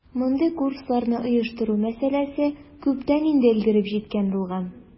Мондый курсларны оештыру мәсьәләсе күптән инде өлгереп җиткән булган.